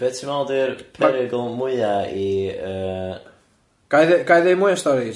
Be' ti'n meddwl ydi'r perygl mwya i yy Ga i dde- ga i ddeud mwy o storis?